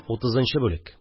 Утызынчы бүлек